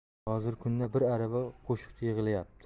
hozir kunda bir arava qo'shiqchi yog'ilayapti